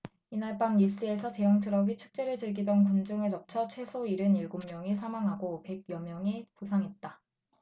이날 밤 니스에서 대형트럭이 축제를 즐기던 군중을 덮쳐 최소 일흔 일곱 명이 사망하고 백 여 명이 부상했다